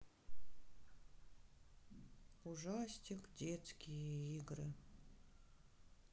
ужастик детские игры